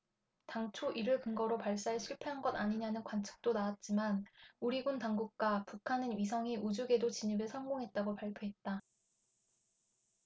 당초 이를 근거로 발사에 실패한 것 아니냐는 관측도 나왔지만 우리 군 당국과 북한은 위성이 우주궤도 진입에 성공했다고 발표했다